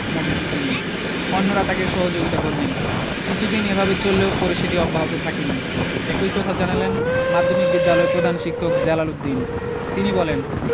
মফিজ উদ্দিনই অন্যরা তাঁকে সহযোগিতা করবেন কিছুদিন এভাবে চললেও পরে সেটি অব্যাহত থাকেনি একই কথা জানালেন মাধ্যমিক বিদ্যালয়ের প্রধান শিক্ষক জালাল উদ্দিন তিনিবলেন